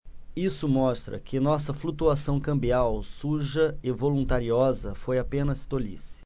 isso mostra que nossa flutuação cambial suja e voluntariosa foi apenas tolice